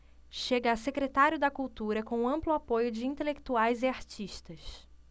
chega a secretário da cultura com amplo apoio de intelectuais e artistas